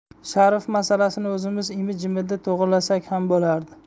sharif masalasini o'zimiz imi jimida to'g'rilasak ham bo'lardi